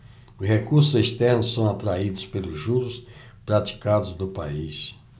os recursos externos são atraídos pelos juros praticados no país